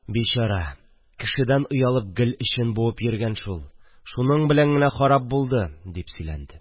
– бичара, кешедән оялып гел эчен буып йөргән шул, шуның белән генә харап булды, – дип сөйләнде